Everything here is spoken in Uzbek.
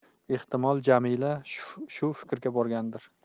ehtimol jamila shu fikrga borgandir